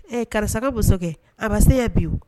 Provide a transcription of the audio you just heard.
Ee karisa ka bo a bɛ se yan biwu